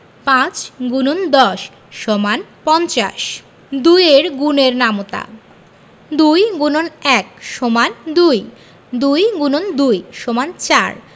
৫×১০ = ২০ ২ এর গুণের নামতা ২ X ১ = ২ ২ X ২ = ৪